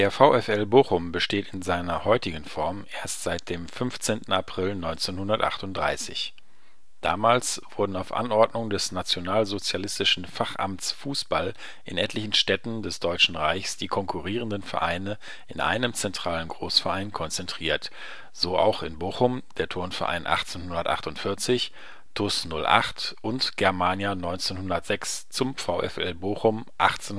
VfL Bochum besteht in seiner heutigen Form erst seit dem 15. April 1938. Damals wurden auf Anordnung des nationalsozialistischen Fachamts Fußball in etlichen Städten des Deutschen Reichs die konkurrierenden Vereine in einem zentralen Großverein konzentriert, so auch in Bochum der Turnverein 1848, TuS 08 und Germania 1906 zum VfL Bochum 1848